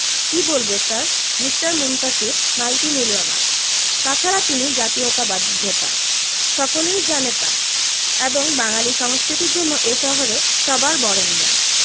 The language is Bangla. কি বলব স্যার মিঃ মুনতাসীর মাল্টিমিলিওনার তাছাড়া তিনি জাতীয়তাবাদী নেতা সকলেই জানে তা এবং বাঙালী সংস্কৃতির জন্য এ শহরে সবার বরেণ্য